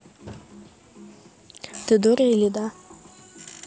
ты дура или да